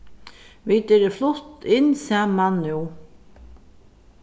vit eru flutt inn saman nú